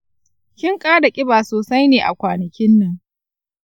kin ƙara ƙiba sosai ne a kwanakin nan?